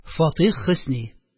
Фатих Хөсни